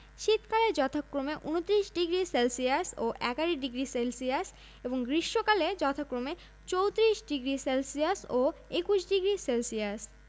৩৭০ দশমিক ৪ কিলোমিটার পর্যন্ত বিস্তৃত প্রশাসনিক এককঃ ২০০৮ এর তথ্য অনুযায়ী বিভাগ ৭টি ঢাকা চট্টগ্রাম খুলনা